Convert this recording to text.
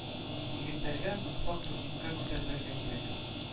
Егетләргә мотлак турникта күтәрелергә кирәк